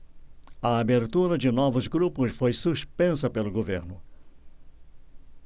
a abertura de novos grupos foi suspensa pelo governo